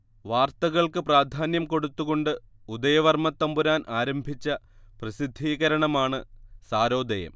വാർത്തകൾക്ക് പ്രാധാന്യം കൊടുത്തുകൊണ്ട് ഉദയവർമ്മത്തമ്പുരാൻ ആരംഭിച്ച പ്രസിദ്ധീകരണമാണ് സാരോദയം